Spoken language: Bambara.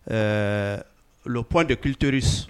Ɛɛ le point de clitoris